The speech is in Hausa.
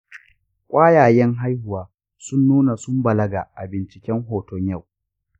ƙwayayen haihuwa sun nuna sun balaga a binciken hoton yau.